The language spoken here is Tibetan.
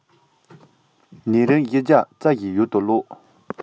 ནད རིམས བཞི བརྒྱ རྩ བཞི ཡུལ དུ བཟློག